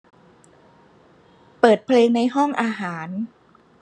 เปิดเพลงในห้องอาหาร